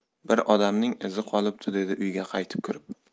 bir odamning izi qolibdi dedi uyga qaytib kirib